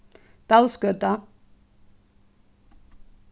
dalsgøta